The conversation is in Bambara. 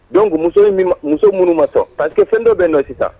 Don muso in muso minnu ma tɔn pa que fɛn dɔ bɛ nɔ sisan